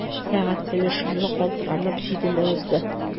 Сәгать теле шомлы калтыранып җидене узды.